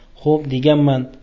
xo'p deganman